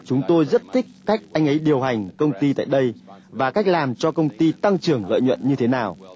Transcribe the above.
chúng tôi rất thích cách anh ấy điều hành công ty tại đây và cách làm cho công ty tăng trưởng lợi nhuận như thế nào